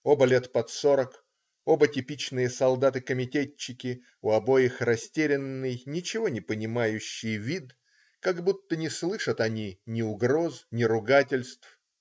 Оба лет под сорок, оба типичные солдаты-комитетчики, у обоих растерянный, ничего не понимающий вид, как будто не слышат они ни угроз, ни ругательств.